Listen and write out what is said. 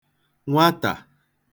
nwatà